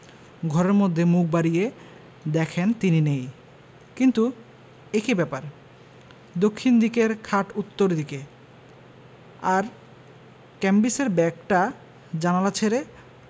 ঘরের মধ্যে মুখ বাড়িয়ে দেখেন তিনি নেই কিন্তু এ কি ব্যাপার দক্ষিণ দিকের খাট উত্তর দিকে আর ক্যাম্বিসের ব্যাগটা জানালা ছেড়ে